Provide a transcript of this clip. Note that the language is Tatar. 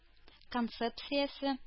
Концепциясе